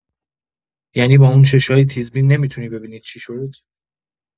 ینی با اون چشای تیزبین نمی‌تونی ببینی چی شد؟